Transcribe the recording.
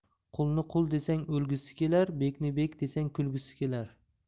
qulni qui desang o'lgisi kelar bekni bek desang kulgisi kelar